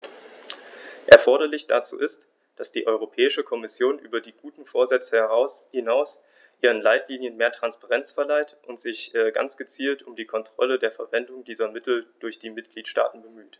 Erforderlich dazu ist, dass die Europäische Kommission über die guten Vorsätze hinaus ihren Leitlinien mehr Transparenz verleiht und sich ganz gezielt um die Kontrolle der Verwendung dieser Mittel durch die Mitgliedstaaten bemüht.